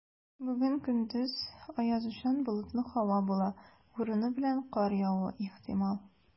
Бүген көндез аязучан болытлы һава була, урыны белән кар явуы ихтимал.